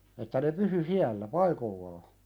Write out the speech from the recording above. että ne pysyi siellä paikoillaan